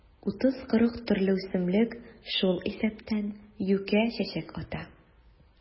30-40 төрле үсемлек, шул исәптән юкә чәчәк ата.